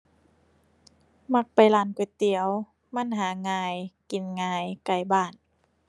มักไปร้านก๋วยเตี๋ยว มันหาง่าย กินง่าย ใกล้บ้าน